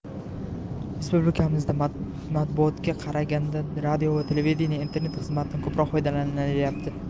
respublikamizda matbuotga qaraganda radio va televidenie internet xizmatidan ko'proq foydalanayapti